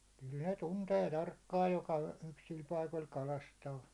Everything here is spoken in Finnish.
kyllä ne tuntee tarkkaan joka yksillä paikoilla kalastaa